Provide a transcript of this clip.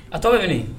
A tɔgɔ bɛ ye